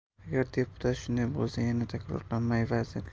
agar deputat shunday bo'lsa yana takrorlayman vazirlar